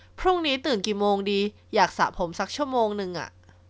พรุ่งนี้ตื่นกี่โมงดีอยากสระผมซักชั่วโมงนึง